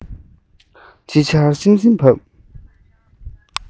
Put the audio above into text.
དཔྱིད ཆར གསིམ གསིམ བབས